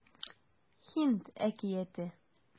Һинд әкияте